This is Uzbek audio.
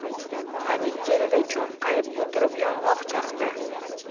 xanik chetida cho'nqayib o'tirib yong'oq chaqdi